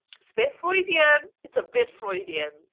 It's a bit Freudian it's a bit Freudian.